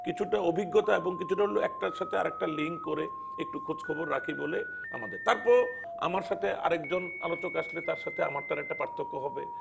কিছুটা অভিজ্ঞতা এবং কিছুটা একটার সাথে আরেকটা লিঙ্ক করে একটু খোঁজ খবর রাখি বলে আমাদের তারপর আমাদের সাথে আরেকজন আলোচক আসলে তার সাথে আমার একটা পার্থক্য হবে